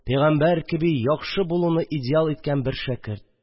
Пәйгамбәр кеби яхшы булуны идеал иткән бер шәкерт